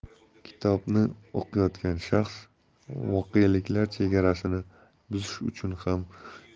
kitobni o'qiyotgan shaxs voqeliklar chegarasini buzish uchun